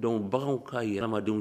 Dɔnku bagan kaa yɛlɛmamadenw